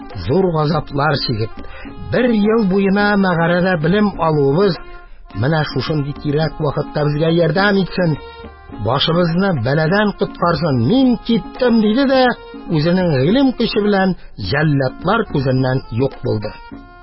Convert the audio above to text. Зур газаплар чигеп, бер ел буена мәгарәдә белем алуыбыз менә шушындый кирәк вакытта безгә ярдәм итсен, башыбызны бәладән коткарсын, мин киттем, – диде дә үзенең гыйлем көче белән җәлладлар күзеннән юк булды.